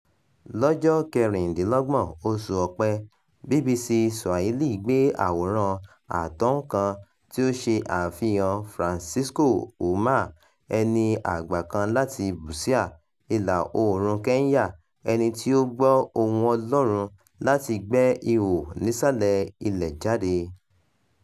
Lọ́jọ́ 26 oṣù Ọ̀pẹ, BBC Swahili gbé àwòrán-àtohùn kan tí ó ṣe àfihàn-an Francisco Ouma, ẹni àgbà kan láti Busia, ìlà-oòrùnun Kenya, ẹni tí ó gbọ́ ohùn Ọlọ́run láti gbẹ́ ihò nísàlẹ̀ ilẹ̀ jáde.